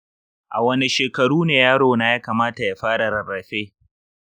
a wane shekaru ne ya kamata yarona ya fara rarrafe?